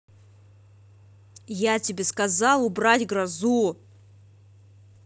я тебе сказал убрать грозу